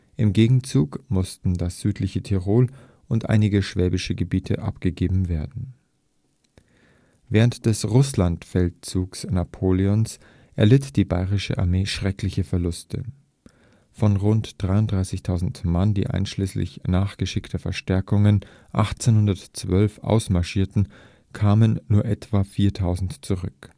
Im Gegenzug mussten das südliche Tirol und einige schwäbische Gebiete abgegeben werden. Szene aus dem Russlandfeldzug (Schlacht von Borodino) Während des Russlandfeldzuges Napoleons erlitt die bayerische Armee schreckliche Verluste. Von rund 33.000 Mann, die (einschließlich nachgeschickter Verstärkungen) 1812 ausmarschierten, kehrten nur etwa 4.000 zurück